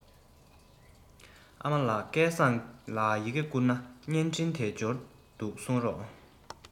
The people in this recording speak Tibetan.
ཨ མ ལགས སྐལ བཟང ལ ཡི གེ བསྐུར ན བརྙན འཕྲིན དེ འབྱོར འདུག གསུངས རོགས